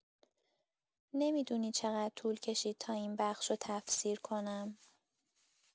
نمی‌دونی چقدر طول کشید تا این بخشو تفسیر کنم!